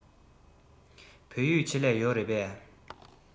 བོད ཡིག ཆེད ལས ཡོད རེད པས